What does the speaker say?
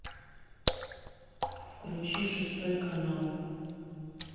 включить шестой канал